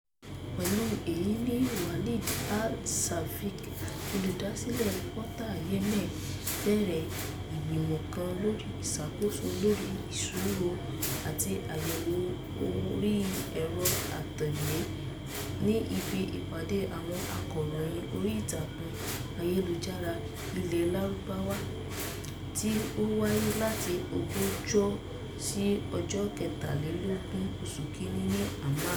Pẹ̀lú èyí ni Walid Al-Saqaf, olùdásílẹ̀ Portal Yemen bẹ̀rẹ̀ ìgbìmọ̀ kan lórí ìṣàkóso lórí ìṣọ̀rọ̀ àti àyẹ̀wò orí ẹ̀rọ àtagba ní ibi ìpàdé àwọn akọ̀ròyìn orí ìtàkùn ayélujára ilẹ̀ Lárúbáwá #AB14 tí ó wáyé láti ogúnjọ́ sí ọjọ́ kẹtàlélógún oṣù kínní ní Amman.